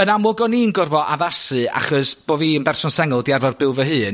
...yn amlwg o'n i'n gorfo addasu achos bo' fi'n berson sengl, di arfar byw fy hun,